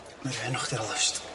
Wnai rhoi enw chdi ar y list.